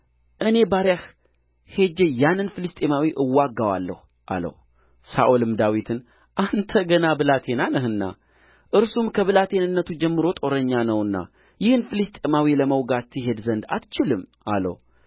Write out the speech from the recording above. እኔ ባሪያህ ሄጄ ያንን ፍልስጥኤማዊ እወጋዋለሁ አለው ሳኦልም ዳዊትን አንተ ገና ብላቴና ነህና እርሱም ከብላቴንነቱ ጀምሮ ጦረኛ ነውና ይህን ፍልስጥኤማዊ ለመውጋት ትሄድ ዘንድ አትችልም አለው